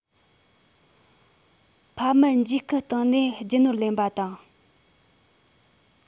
ཕ མར འཇིགས སྐུལ བཏང ནས རྒྱུ ནོར ལེན པ དང